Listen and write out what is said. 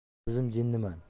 o'zim jinniman